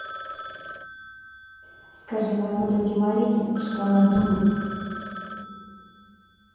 скажи моей подруге марине что она дура